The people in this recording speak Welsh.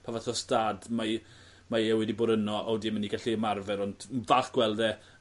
pa fath o stad mae mae e wedi bod yno odi e mynd i gallu ymarfer ond n- falch gweld e